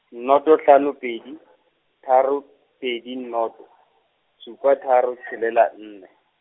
noto hlano pedi, tharo, pedi noto, supa tharo tshelela nne.